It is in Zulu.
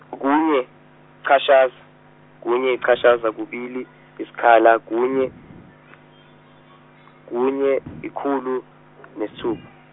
kunye, chashaza, kunye chashaza kubili isikhala kunye, kunye ikhulu nesithupa.